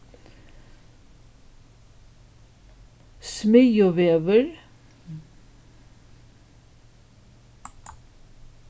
smiðjuvegur